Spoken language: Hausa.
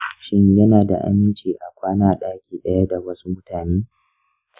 shin yana da aminci a kwana a daki ɗaya da wasu mutane?